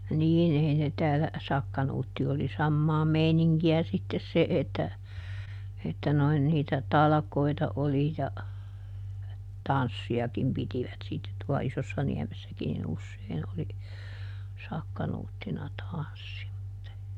niin ei ne täällä sakkanuutti oli samaa meininkiä sitten se että että noin niitä talkoita oli ja tanssiakin pitivät sitten tuo Isossaniemessäkin niin usein oli sakkanuuttina tanssi mutta ei